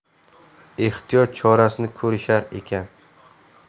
ehtiyot chorasini ko'rishar ekan